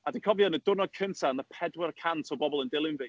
A dwi'n cofio, yn y diwrnod cynta, o' 'na pedwar cant o bobl yn dilyn fi.